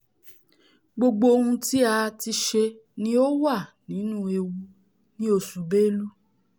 'Gbogbo ohun tí a tíṣe ní ó wà nínú ewu ní oṣù Bélú.